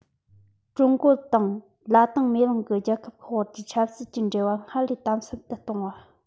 ཀྲུང གོ དང ལ ཏིང མེ གླིང གི རྒྱལ ཁབ ཁག བར གྱི ཆབ སྲིད ཀྱི འབྲེལ བ སྔར ལས དམ ཟབ ཏུ གཏོང བ